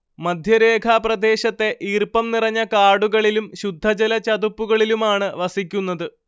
മധ്യരേഖാപ്രദേശത്തെ ഈർപ്പം നിറഞ്ഞ കാടുകളിലും ശുദ്ധജലചതുപ്പുകളിലുമാണ് വസിക്കുന്നത്